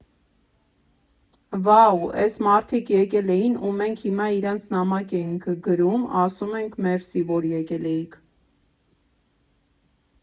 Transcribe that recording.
Վա՜ու, էս մարդիկ եկել էին, ու մենք հիմա իրանց նամակ ենք գրում, ասում ենք մերսի, որ եկել էիք։